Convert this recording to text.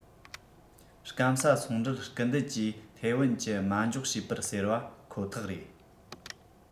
སྐམ ས ཚོང འགྲུལ སྐུལ འདེད ཀྱིས ཐའེ དབན གྱི མ འཇོག བྱས པར ཟེར པ ཁོ ཐག རེད